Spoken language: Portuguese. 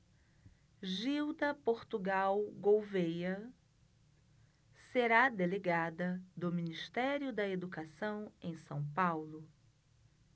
gilda portugal gouvêa será delegada do ministério da educação em são paulo